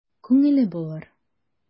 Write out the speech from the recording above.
Күңеле булыр...